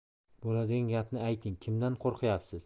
bo'ladigan gapni ayting kimdan qo'rqyapsiz